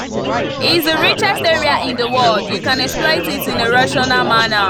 It’s the richest area in the world. You can exploit it in a rational manner.